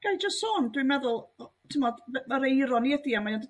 Ga'i jyst sôn dwi'n meddwl t'mod yr eironi ydi a mae o'n dod